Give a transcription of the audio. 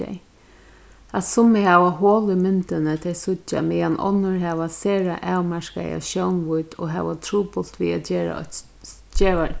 tey at summi hava hol í myndini tey síggja meðan onnur hava sera avmarkaða sjónvídd og hava trupult við at gera eitt